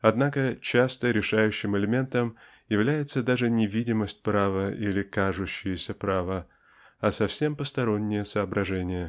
Однако часто решающим элементом является даже не видимость права или кажущееся право а совсем посторонние соображения.